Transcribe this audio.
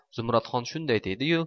zumradxon shunday dedi yu